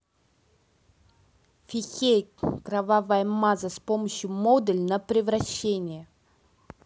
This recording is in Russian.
fixeye кровавая маза с помощью модуль на превращение